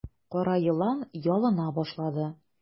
Кара елан ялына башлады.